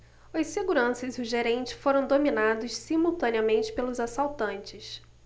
os seguranças e o gerente foram dominados simultaneamente pelos assaltantes